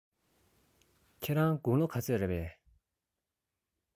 ཁྱེད རང ལོ ག ཚོད རེད